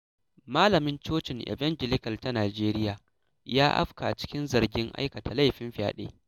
Malamin cocin Evangelical ta Nijeriya ya afka cikin zargin aikata laifin fyaɗe.